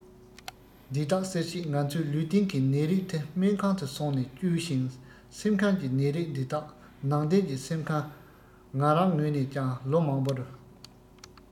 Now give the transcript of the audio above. འདི དག སེལ བྱེད ང ཚོའི ལུས སྟེང གི ནད རིགས དེ སྨན ཁང དུ སོང ནས བཅོས ཤིང སེམས ཁམས ཀྱི ནད རིགས འདི དག ནང བསྟན གྱི སེམས ཁམས ང རང ངོས ནས ཀྱང ལོ མང པོར